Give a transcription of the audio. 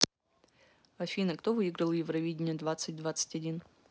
афина кто выиграл евровидение двадцать двадцать один